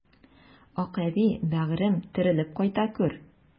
Акъәби, бәгырем, терелеп кайта күр!